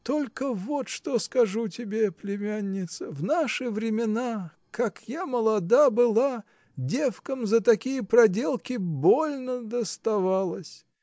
Только вот что скажу тебе, племянница: в наши времена, как я молода была, девкам за такие проделки больно доставалось.